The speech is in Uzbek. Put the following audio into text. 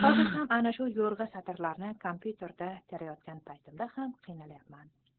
hozir ham ana shu yo'rg'a satrlarni komp'yuterda terayotgan paytimda ham qiynalayapman